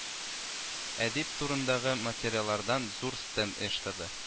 Әдип турындагы материаллардан зур стенд оештырды